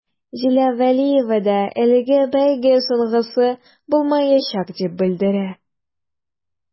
Зилә вәлиева да әлеге бәйге соңгысы булмаячак дип белдерә.